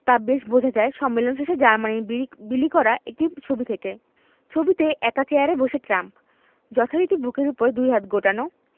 তা বেশ বোঝা যায় সম্মেলন শেষে জার্মানির বি বিলি করা একটি ছবি থেকে ছবিটিতে একা চেয়ারে বসে ট্রাম্প যথারীতি বুকের ওপর দুই হাত গোটানো